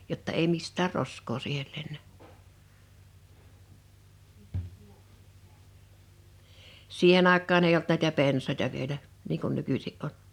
jotta ei mistään roskaa siihen lennä siihen aikaan ei ollut näitä pensaita vielä niin kuin nykyisin on